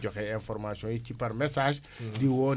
di woo nit ñi ñu ciblé nga xam ne dañ leen di jox loolu